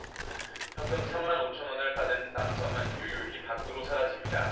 현금 삼 만 오 천 원을 받은 남성은 유유히 밖으로 사라집니다